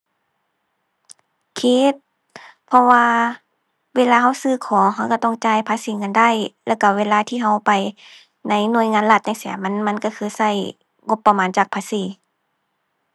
คิด เพราะว่าเวลาเราซื้อของ เราเราต้องจ่ายภาษีเงินได้ แล้วเราเวลาที่เราไปในหน่วยงานรัฐจั่งซี้ มัน มันเราคือเรางบประมาณจากภาษี